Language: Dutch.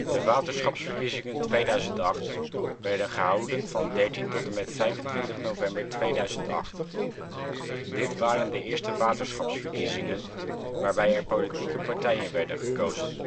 De Waterschapsverkiezingen 2008 werden gehouden van 13 t/m 25 november 2008. Dit waren de eerste waterschapsverkiezingen waarbij er politieke partijen werden gekozen